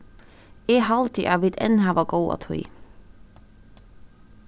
eg haldi at vit enn hava góða tíð